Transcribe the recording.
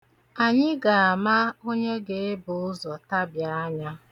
Anyị ga-ama onye ga-ebu ụzọ tabi anya.